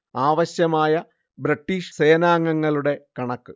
ആവശ്യമായ ബ്രിട്ടീഷ് സേനാംഗങ്ങളുടെ കണക്ക്